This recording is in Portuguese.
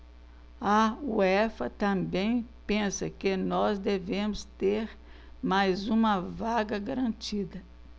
a uefa também pensa que nós devemos ter mais uma vaga garantida